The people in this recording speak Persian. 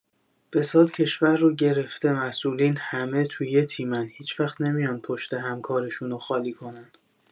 فساد کشور رو گرفته مسئولین همه تو یه تیمن هیچوقت نمیان پشت همکارشونو خالی کنن.